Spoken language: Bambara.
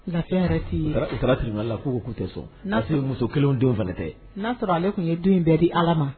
Na yɛrɛti uta tile la ko' k'u tɛ sɔn n'a ye muso kelen denw fana tɛ n'a sɔrɔ ale tun ye denw in bɛɛ di ala ma